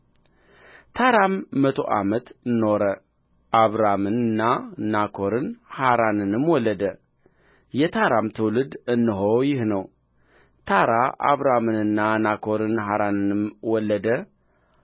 ታራም መቶ ዓመት ኖረ አብራምንና ናኮርን ሐራንንም ወለደ የታራም ትውልድ እነሆ ይህ ነው ታራ አብራምንና ናኮርን ሐራንንም ወለደ